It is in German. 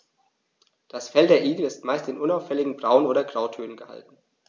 Das Fell der Igel ist meist in unauffälligen Braun- oder Grautönen gehalten.